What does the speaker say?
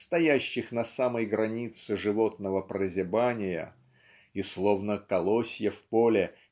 стоящих на самой границе животного прозябания и словно колосья в поле